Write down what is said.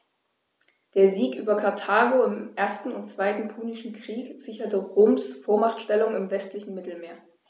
Der Sieg über Karthago im 1. und 2. Punischen Krieg sicherte Roms Vormachtstellung im westlichen Mittelmeer.